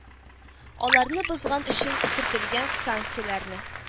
Аларны бозган өчен кертелгән санкцияләрне